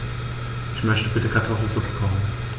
Ich möchte bitte Kartoffelsuppe kochen.